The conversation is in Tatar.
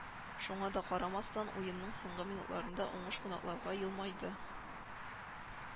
Шуңа да карамастан уенның соңгы минутларында уңыш кунакларга елмайды